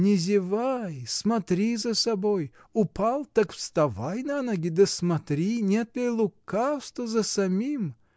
Не зевай, смотри за собой: упал, так вставай на ноги да смотри, нет ли лукавства за самим?